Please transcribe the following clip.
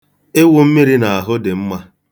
Ịwụ mmiri n'ahụ dị mma.